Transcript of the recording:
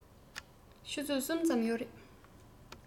ཆུ ཚོད གསུམ ཙམ ཡོད རེད